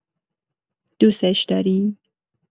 دوستش داری؟